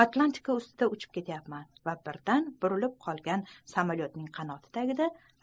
atlantika ustida uchib ketayapman va birdan burilib uchgan samolyotning qanoti tagida